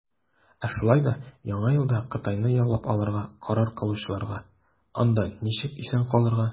Ә шулай да Яңа елда Кытайны яулап алырга карар кылучыларга, - анда ничек исән калырга.